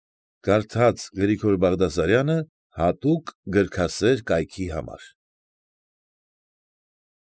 Կարդաց Գրիգոր Բաղդասարյանը՝ հատուկ գրքասեր կայքի համար։